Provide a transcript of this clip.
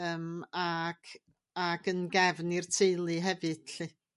Yym ac ac yn gefn i'r teulu hefyd lly.